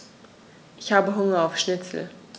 Ich habe Hunger auf Schnitzel.